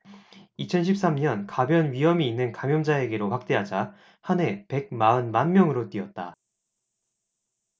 이천 십 삼 년 가벼운 위염이 있는 감염자에게로 확대하자 한 해 백 마흔 만명으로 뛰었다